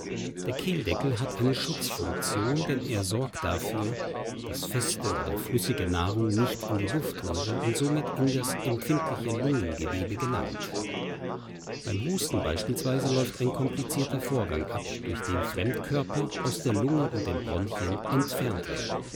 Kehldeckel hat eine Schutzfunktion, denn er sorgt dafür, dass feste oder flüssige Nahrung nicht in die Luftröhre und somit in das empfindliche Lungengewebe gelangt. Beim Husten beispielsweise läuft eine komplizierter Vorgang ab, durch den Fremdkörper aus der Lunge und den Bronchien entfernt werden